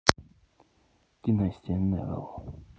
династия невилл